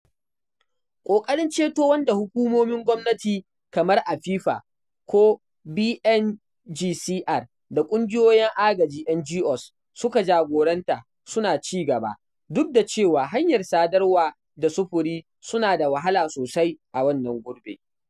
Ƙoƙarin ceto wanda hukumomin gwamnati kamar Apipa ko BNGCR da Ƙungiyoyin Agaji (NGOs) suka jagoranta suna ci gaba, duk da cewa hanyar sadarwa da sufuri suna da wahala sosai a wannan gurbi.